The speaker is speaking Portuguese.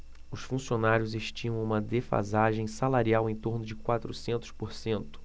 os funcionários estimam uma defasagem salarial em torno de quatrocentos por cento